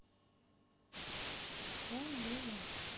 да любим